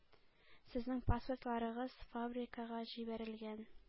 Сезнең паспортларыгыз фабрикага җибәрелгән.